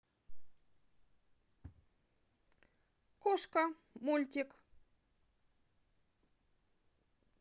кошка мультик